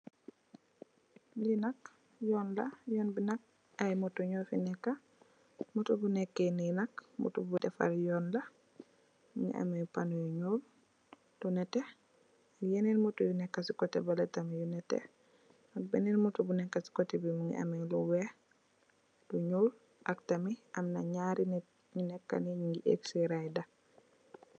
Li nak yoon la yoon bi nak ay moto nyu fi neka moto bu neke nee nak moto bu defar yoon la mongi ameh ban yu nuul yu nete yenen moto tamit yun neka si kote bele tamit mongi nete ak benen moto bu neka si kote bi mongi ame lu weex lu nuul ak tamit amna naari nitt yu neka nii nyugi eeg si raider.